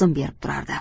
berib turardi